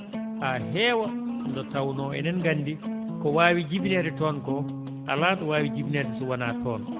haa heewa nde tawnoo enen nganndi ko waawi jibineede toon ko alaa ɗo waawi jibineede so wonaa toon